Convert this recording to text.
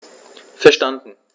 Verstanden.